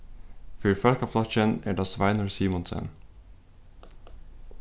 fyri fólkaflokkin er tað sveinur simonsen